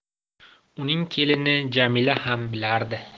uning kelini jamila ham bilardi